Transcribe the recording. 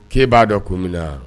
K'e b'a da ko min na